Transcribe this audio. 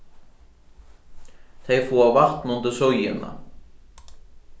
tey fáa vatn undir síðuna